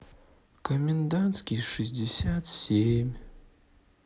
комендантский шестьдесят семь